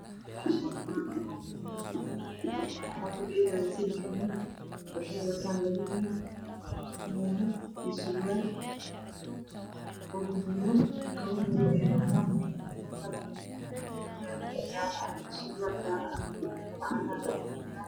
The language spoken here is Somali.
Meeshaani waa garoon waxaa ku dheelaayo sadex wiil waxay wataan labo wiil fanaanad iyo surwaal oo guduudan kabo madow ayey wataan midka kalana fanaanad jaalo iyo surwaal jaale ah iyo kabo cadaan ayuu wataa